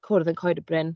Cwrdd yn Coed-y-Bryn.